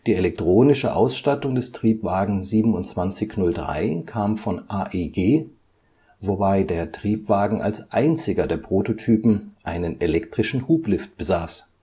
elektronische Ausstattung des Triebwagen 2703 kam von AEG, wobei der Triebwagen als einziger der Prototypen einen elektrischen Hublift besaß